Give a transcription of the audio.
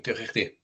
Diolch i chdi.